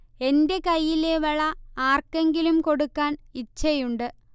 എന്റെ കൈയിലെ വള ആർക്കെങ്കിലും കൊടുക്കാൻ ഇച്ഛയുണ്ട്